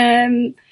ymm